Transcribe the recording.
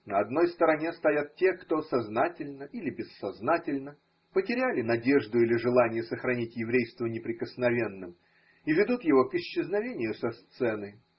На одной стороне стоят те, кто, сознательно или бессознательно, потеряли надежду или желание сохранить еврейство не прикосновенным и ведут его к исчезновению со сцены